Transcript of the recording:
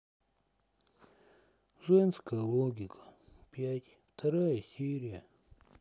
женская логика пять вторая серия